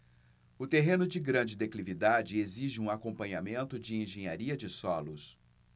o terreno de grande declividade exige um acompanhamento de engenharia de solos